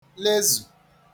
lezù